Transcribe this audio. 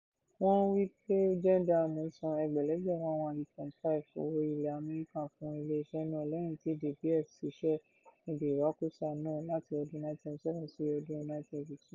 Wọ́n wí pé Gem Diamonds san ẹgbẹ̀lẹ́gbẹ̀ 118.5 owó ilẹ̀ Amẹ́ríkà fún ilé-iṣẹ́ náà lẹ́yìn tí De Beers ṣiṣẹ́ níbi ìwakùsà náà láti ọdún 1977 sí ọdún 1982.